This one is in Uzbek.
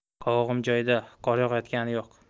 qovog'im joyida qor yog'ayotgani yo'q